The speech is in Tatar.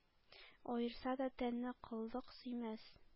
Аерса да тәнне, коллык сөймәс